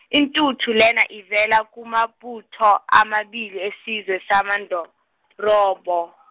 intuthu lena ivela kumabutho amabili esizwe samaNdorobo.